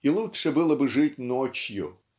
и лучше было бы жить ночью